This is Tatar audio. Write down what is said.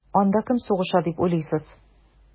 Анда кем сугыша дип уйлыйсыз?